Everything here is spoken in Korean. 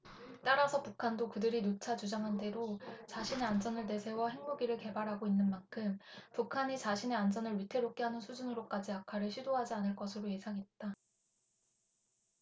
따라서 북한도 그들이 누차 주장한대로 자신의 안전을 내세워 핵무기를 개발하고 있는 만큼 북한이 자신의 안전을 위태롭게 하는 수준으로까지 악화를 시도하지는 않을 것으로 예상했다